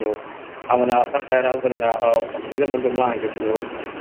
n'w a ma' 'na fallai'r elfaen yna os ti ddim yn dod 'mlaen gyda n'w